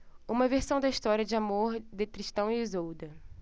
uma versão da história de amor de tristão e isolda